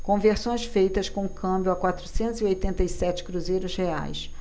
conversões feitas com câmbio a quatrocentos e oitenta e sete cruzeiros reais